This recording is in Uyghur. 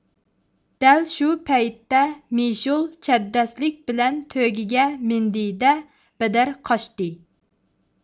دەل شۇ پەيتتە مىشول چەبدەسلىك بىلەن تۆگىگە مىندى دە بەدەر قاچتى